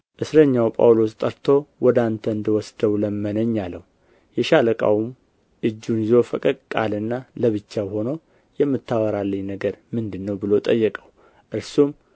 እስረኛው ጳውሎስ ጠርቶ ወደ አንተ እንድወስደው ለመነኝ አለው የሻለቃውም እጁን ይዞ ፈቀቅ አለና ለብቻው ሆኖ የምታወራልኝ ነገር ምንድር ነው ብሎ ጠየቀው እርሱም